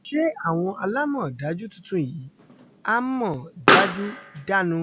Ṣé àwọn alámọ̀dájú tuntun yìí á mọ̀ dájú dánu?